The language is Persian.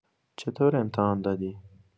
چطور امتحان دادی؟